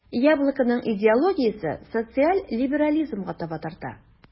"яблоко"ның идеологиясе социаль либерализмга таба тарта.